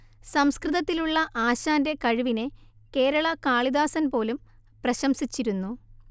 സംസ്കൃതത്തിലുള്ള ആശാന്റെ കഴിവിനെ കേരള കാളിദാസൻ പോലും പ്രശംസിച്ചിരുന്നു